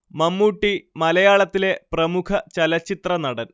മമ്മൂട്ടി മലയാളത്തിലെ പ്രമുഖ ചലച്ചിത്രനടൻ